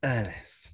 Ynys...